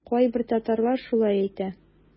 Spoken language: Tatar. Кайбер татарлар шулай әйтә.